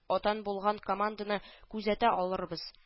Атан булган команданы күзәтә алырбыз